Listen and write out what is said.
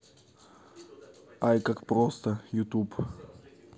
ай как просто ютуб